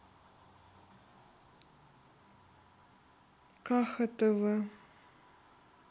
каха тв